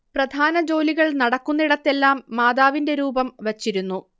പ്രധാന ജോലികൾ നടക്കുന്നിടത്തെല്ലാം മാതാവിന്റെ രൂപം വച്ചിരുന്നു